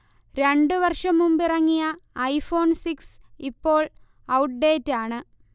രണ്ടു വർഷം മുമ്പിറങ്ങിയ ഐഫോൺ സിക്സ് ഇപ്പോൾ ഔട്ട്ഡേറ്റ് ആണ്